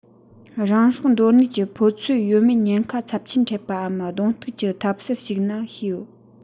རང སྲོག འདོར ནུས ཀྱི ཕོ ཚོད ཡོད མེད ཉེན ཁ ཚབས ཆེན ཕྲད པའམ གདོང གཏུགས ཀྱི འཐབ སར ཞུགས ན ཤེས ཡོང